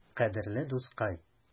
Кадерле дускай!